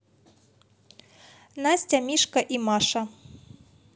настя мишка и маша